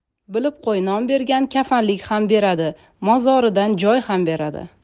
bilib qo'y non bergan kafanlik ham beradi mozoridan joy ham beradi